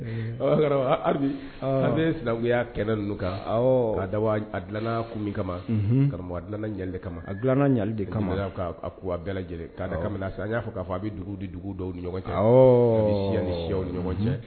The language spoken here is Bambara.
An karamɔgɔ hali an bɛ sinakuya kɛlɛ ninnu kan, awɔ, ka da bɔ, a dilanna kun minkama karamɔgɔ, unhun, a dilanna ɲali kama , a dilana ɲali de kama, a bɛɛ lajlen, an y'a fɔ k'a fɔ a bɛ dugu ni dugu dɔw ɲɔgɔn cɛ, awɔɔ, siya dɔwi ni siya dɔw ni ɲɔgɔn cɛ.